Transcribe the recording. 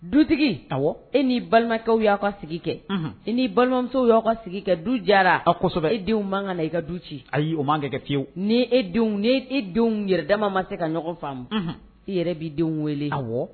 Dutigi. Awɔ,. E ni balimakɛ y'aw ka sigikɛ. Unhun. E ni balimamuso y'aw ka sigi kɛ du jara. A kosɛbɛ. E denw man ka na i ka du ci. Ayi o ma kan ka kɛ kɛ fiyewu. Ni e denw ni e denw yɛrɛ dama ma se ka ɲɔgɔn faamu,. Unhun. E yɛrɛ b'i denw wele. Awɔ.